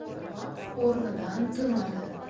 biroq o'rnidan turmadi